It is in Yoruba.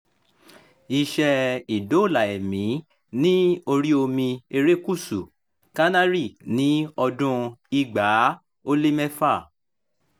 Iṣẹ́ ìdóòlà-ẹ̀mí ní oríi omi Erékùsù Canary ní 2006.